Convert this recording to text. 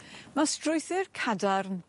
Ma' strwythur cadarn